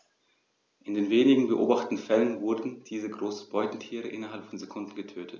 In den wenigen beobachteten Fällen wurden diese großen Beutetiere innerhalb von Sekunden getötet.